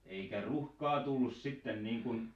eikä ruuhkaa tullut sitten niin kun